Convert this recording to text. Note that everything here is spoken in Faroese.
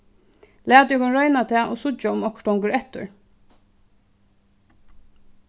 latið okkum royna tað og síggja um okkurt hongur eftir